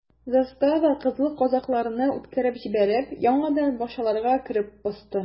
Застава, кызыл казакларны үткәреп җибәреп, яңадан бакчаларга кереп посты.